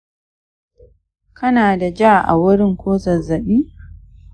kana da ja a wurin ko zazzaɓi